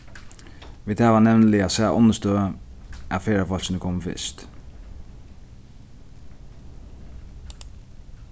vit hava nevniliga sæð onnur støð at ferðafólkini komu fyrst